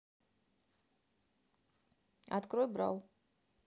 открой брал